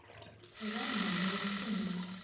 жанна бадоева тунис